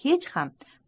hech ham